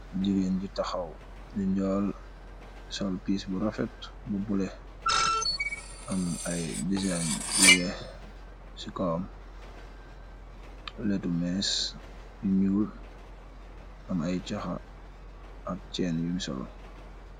jigéen ju taxaw ju njool, sol pis bu rafet bo bule, am ay design yu weex cikawam, letu mees yu ñuul am ay caxa ak ceen yum sol